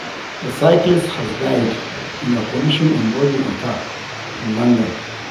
A cyclist has died in a collision involving a car in London.